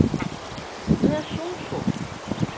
Менә шул-шул!